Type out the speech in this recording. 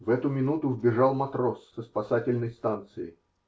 В эту минуту вбежал матрос со спасательной станции.